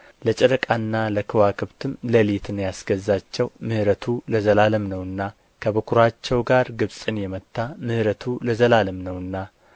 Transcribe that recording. ለጨረቃና ለከዋክብትም ሌሊትን ያስገዛቸው ምሕረቱ ለዘላለም ነውና ከበኵራቸው ጋር ግብጽን የመታ ምሕረቱ ለዘላለም ነውና